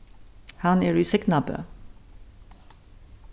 hann er í signabø